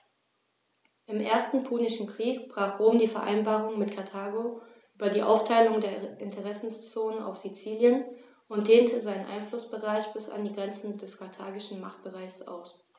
Im Ersten Punischen Krieg brach Rom die Vereinbarung mit Karthago über die Aufteilung der Interessenzonen auf Sizilien und dehnte seinen Einflussbereich bis an die Grenze des karthagischen Machtbereichs aus.